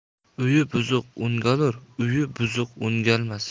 uyi buzuq o'ngalur o'yi buzuq o'ngalmas